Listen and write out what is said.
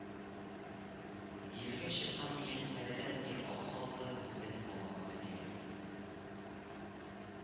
Биергә чыккан Мияссәрәдән ир-ат халкы күзен алмады диярлек